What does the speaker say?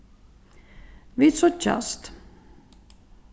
vit síggjast